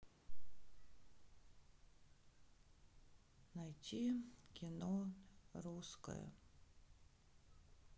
найти кино русское